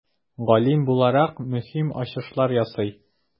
Галим буларак, мөһим ачышлар ясый.